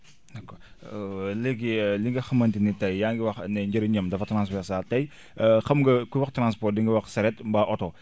d' accord léegi li nga xamante ni tey yaa ngi wax ne njëriñam dafa transversale tey xam nga ku wax transport di nga wax charette mbaa oto